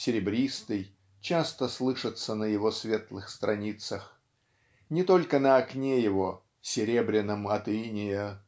серебристый" часто слышатся на его светлых страницах. Не только на окне его "серебряном от инея